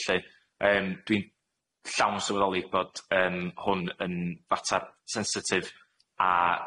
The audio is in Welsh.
'lly. Yym dwi'n llawn sylweddoli bod yym hwn yn fatar sensitif a